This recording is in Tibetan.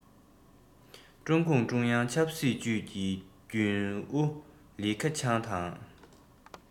ཀྲུང གུང ཀྲུང དབྱང ཆབ སྲིད ཅུས ཀྱི རྒྱུན ཨུ ལི ཁེ ཆང དང